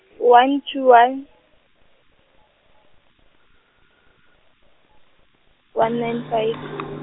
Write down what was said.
one two one, one nine five.